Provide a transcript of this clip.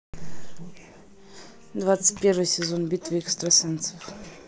двадцать первый сезон битвы экстрасенсов